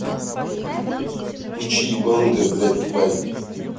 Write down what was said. включи ебанутая блядь тварь